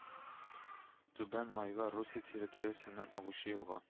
Түбән Майга Русия территориясеннән агучы елга